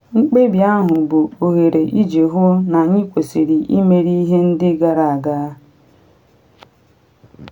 “Mkpebi ahụ bụ ohere iji hụ na anyị kwesịrị imeri ihe ndị gara aga.”